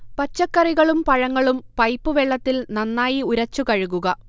പച്ചക്കറികളും പഴങ്ങളും പൈപ്പ് വെള്ളത്തിൽ നന്നായി ഉരച്ച് കഴുകുക